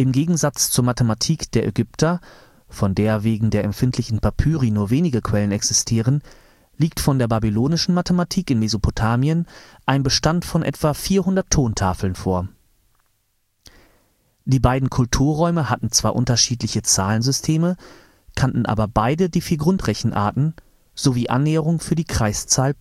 Gegensatz zur Mathematik der Ägypter, von der wegen der empfindlichen Papyri nur wenige Quellen existieren, liegt von der babylonischen Mathematik in Mesopotamien ein Bestand von etwa 400 Tontafeln vor. Die beiden Kulturräume hatten zwar unterschiedliche Zahlensysteme, kannten aber beide die vier Grundrechenarten sowie Annäherungen für die Kreiszahl